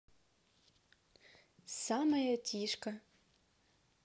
самая тишка